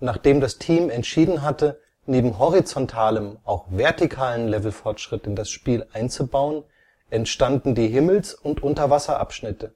Nachdem das Team entschieden hatte, neben horizontalem auch vertikalen Levelfortschritt in das Spiel einzubauen, entstanden die Himmels - und Unterwasser-Abschnitte.